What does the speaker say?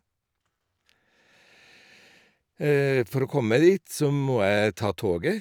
For å komme meg dit så må jeg ta toget.